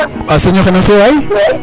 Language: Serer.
wa siriñ oxe nam fi'o waay